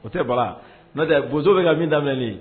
O tɛ bala ntɛ bozo bɛ ka min daminɛ